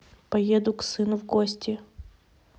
поеду к сыну в гости